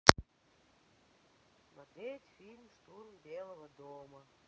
смотреть фильм штурм белого дома